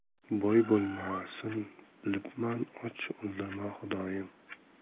boy bo'lmasim bilibman och o'ldirma xudoyim